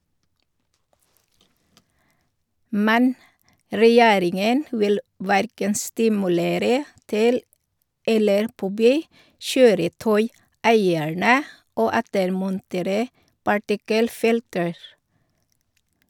Men Regjeringen vil hverken stimulere til eller påby kjøretøyeierne å ettermontere partikkelfilter.